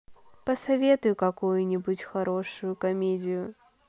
посоветуй какую нибудь хорошую комедию